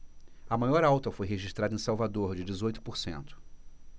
a maior alta foi registrada em salvador de dezoito por cento